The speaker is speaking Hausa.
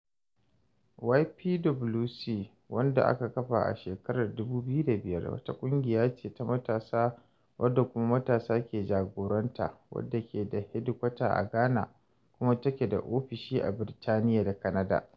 YPWC, wanda aka kafa a shekarar 2005, wata ƙungiya ce ta matasa wadda kuma matasa ke jagoranta wadda ke da hedikwata a Ghana, kuma ta ke da ofisoshi a Birtaniya da Canada.